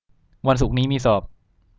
วันศุกร์นี้มีสอบ